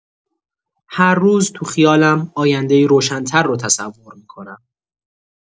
هر روز تو خیالم آینده‌ای روشن‌تر رو تصور می‌کنم.